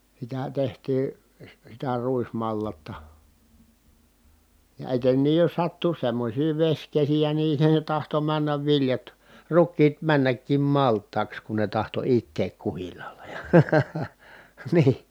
sitä tehtiin - sitä ruismallasta ja etenkin jos sattui semmoisia vesikesiä niin se tahtoi mennä viljat rukiit mennäkin maltaiksi kun ne tahtoi itää kuhilaalla ja niin